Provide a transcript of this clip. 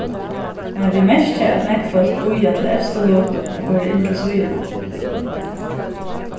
men vit merkja at nógv fólk bíða til evstu løtu at koyra inn til síðuna